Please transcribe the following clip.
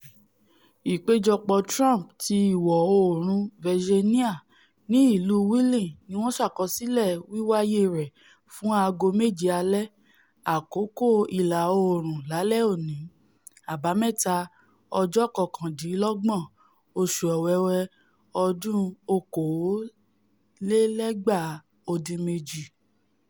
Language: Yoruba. Ìpéjọpọ̀ Trump ti Ìwọ̀-oòrùn Virginia, ní ìlú Wheeling níwọn ṣàkọsílẹ̀ wíwáyé rẹ̀ fún aago méjé alẹ́. Àkókò l̀là-oòrùn lálẹ́ òní, Àbámẹ́ta, ọjọ́ kọkàndínlọ́gbọ̀n oṣù Owewe, ọdún 2018.